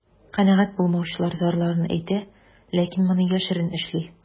Канәгать булмаучылар зарларын әйтә, ләкин моны яшерен эшли.